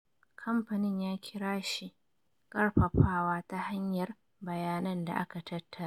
Kamfanin ya kira shi "karfafawa ta hanyar bayanan da aka tattara ."